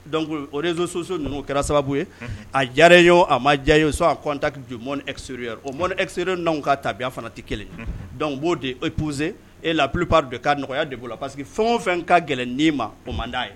Donc réseaux sociaux ninnu kɛra sababu ye a diyara i ye wo a ma diya i ye que tu sois en contact du monde extérieur o monde extérieur n'anw ka tabiya fana tɛ kelen donc u b'o de épouser et la plupart des cas nɔgɔya de b'o la parce que fɛn o fɛn ka gɛlɛn ni ma, o man d'a ye.